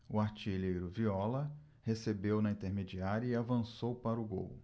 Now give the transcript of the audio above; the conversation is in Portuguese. o artilheiro viola recebeu na intermediária e avançou para o gol